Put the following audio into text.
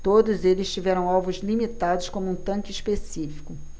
todos eles tiveram alvos limitados como um tanque específico